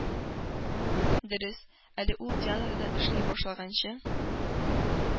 Дөрес, әле ул театрда эшли башлаганчы